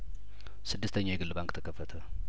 ስድስተኛው የግል ባንክ ተከፈተ